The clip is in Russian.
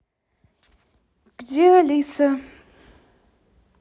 где алиса